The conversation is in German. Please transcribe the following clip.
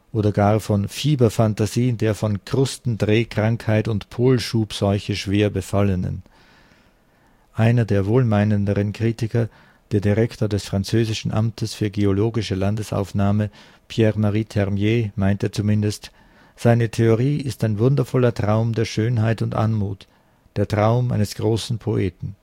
oder gar von „ Fieberfantasien der von Krustendrehkrankheit und Polschubseuche schwer Befallenen “. Einer der wohlmeinenderen Kritiker, der Direktor des französischen Amtes für geologische Landesaufnahme, Pierre-Marie Termier, meinte zumindest: „ Seine Theorie ist ein wundervoller Traum der Schönheit und Anmut, der Traum eines großen Poeten. “In